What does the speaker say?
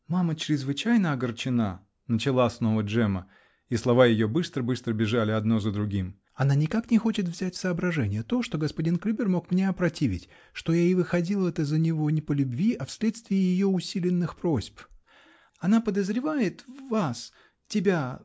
-- Мама чрезвычайно огорчена, -- начала снова Джемма, -- и слова ее быстро-быстро бежали одно за другим, -- она никак не хочет взять в соображение то, что господин Клюбер мог мне опротиветь, что я и выходила -то за него не по любви, а вследствие ее усиленных просьб. Она подозревает . вас. тебя